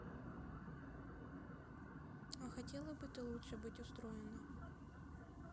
а хотела бы ты лучше быть устроено